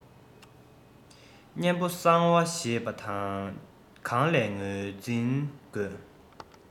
གཉན པོ གསང བ ཞེས པ དེ གང ལ ངོས འཛིན དགོས